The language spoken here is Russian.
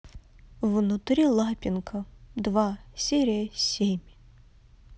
внутри лапенко два серия семь